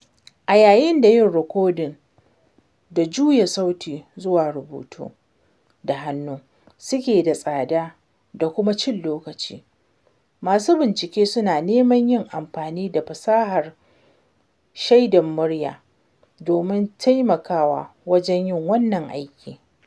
A yayin da yin rikodin da juya sauti zuwa rubutu da hannu suke da tsada da kuma cin lokaci, masu bincike suna neman yin amfani da fasahar shaida murya domin taima kawa wajen yin wannan aikin.